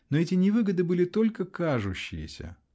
но эти невыгоды были только кажущиеся!